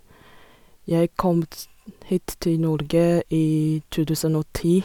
Jeg kom ts hit til Norge i to tusen og ti.